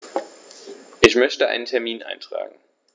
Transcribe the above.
Ich möchte einen Termin eintragen.